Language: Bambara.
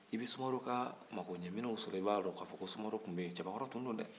i bɛ sumaworo ka makoɲɛminɛnw sɔrɔ ye i b'a dɔn k'a fɔ ko sumaworo tun bɛ yen cɛbakɔrɔ tun don dɛ